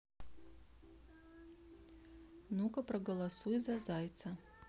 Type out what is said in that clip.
ну ка проголосуй за зайца